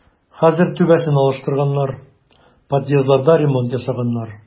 Хәзер түбәсен алыштырганнар, подъездларда ремонт ясаганнар.